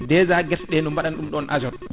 déja guerte ɗe ɗum baɗana ɗum ɗon *